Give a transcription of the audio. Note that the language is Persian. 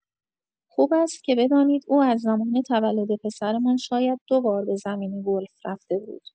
خوب است که بدانید او از زمان تولد پسرمان شاید دو بار به زمین گلف رفته بود.